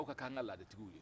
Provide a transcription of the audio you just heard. aw ka k'an ka ladatigiw ye